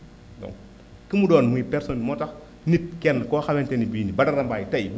donc ku mu doon muy personne moo tax nit kenn koo xam xamante ne bi Badara Mbaye tey